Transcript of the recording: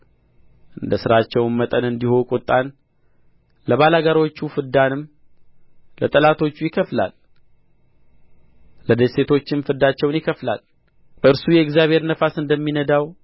እንደ ሥራቸው መጠን እንዲሁ ቍጣን ለባላጋራዎቹ ፍዳንም ለጠላቶቹ ይከፍላል ለደሴቶችም ፍዳቸውን ይከፍላል እርሱ የእግዚአብሔር ነፋስ እንደሚነዳው